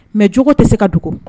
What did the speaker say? Mɛ j tɛ se ka dogo